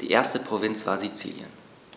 (die erste Provinz war Sizilien).